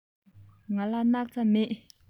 ང ལ སྣག ཚ མེད